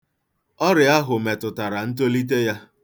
Ọrịa ahụ metụtara ntolite ya.